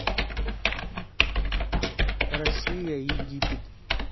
россия египет